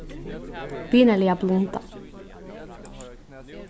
vinarliga blunda